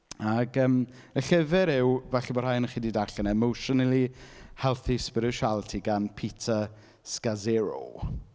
Ac yym y llyfr yw falle bo' rhai ohonoch chi 'di darllen e, Emotionally Healthy Spirituality gan Peter Scazzero.